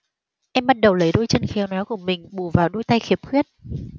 em bắt đầu lấy đôi chân khéo léo của mình bù vào đôi tay khiếm khuyết